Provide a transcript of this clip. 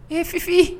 I fifin